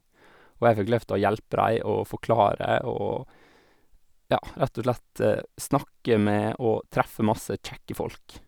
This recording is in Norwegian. Og jeg fikk lov til å hjelpe de og forklare og, ja, rett og slett snakke med og treffe masse kjekke folk.